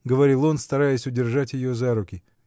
— говорил он, стараясь удержать ее за руки.